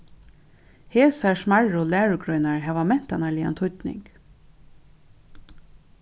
hesar smærru lærugreinar hava mentanarligan týdning